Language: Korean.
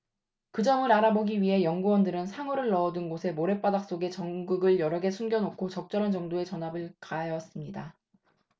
그 점을 알아보기 위해 연구원들은 상어를 넣어 둔 곳의 모랫바닥 속에 전극을 여러 개 숨겨 놓고 적절한 정도의 전압을 가하였습니다